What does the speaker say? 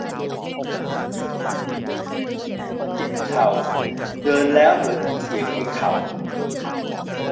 เจ็บเข่าเดินแล้วเหมือนมีเสียงในเข่า